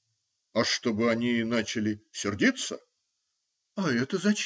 -- А чтобы они начали сердиться. -- А это зачем?